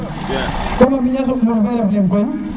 kom a soɓ tun fe ref leng kou